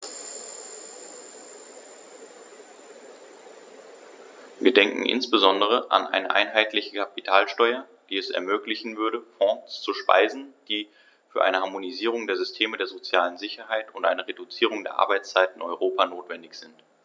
Wir denken insbesondere an eine einheitliche Kapitalsteuer, die es ermöglichen würde, Fonds zu speisen, die für eine Harmonisierung der Systeme der sozialen Sicherheit und eine Reduzierung der Arbeitszeit in Europa notwendig sind.